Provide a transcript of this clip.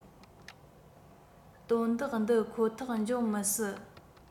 དོན དག འདི ཁོ ཐག འབྱུང མི སྲིད